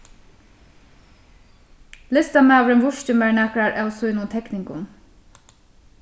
listamaðurin vísti mær nakrar av sínum tekningum